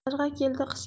qarg'a keldi qish keldi